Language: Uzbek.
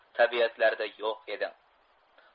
tabiatlarida yo'q edi